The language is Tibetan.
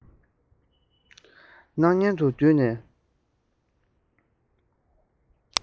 སྣང བརྙན དུ བསྡུས ནས